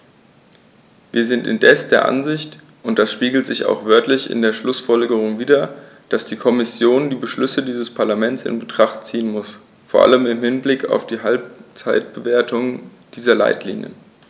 Wir sind indes der Ansicht und das spiegelt sich auch wörtlich in den Schlussfolgerungen wider, dass die Kommission die Beschlüsse dieses Parlaments in Betracht ziehen muss, vor allem im Hinblick auf die Halbzeitbewertung dieser Leitlinien.